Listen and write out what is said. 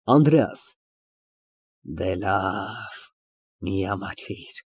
ԱՆԴՐԵԱՍ ֊ Լավ, մի ամաչիր։